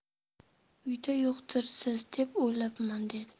uyda yo'qdirsiz deb o'ylabman dedi